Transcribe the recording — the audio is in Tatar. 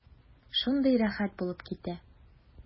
Шундый рәхәт булып китә.